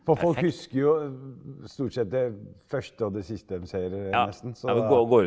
for folk husker jo stort sett det første og det siste en ser nesten så.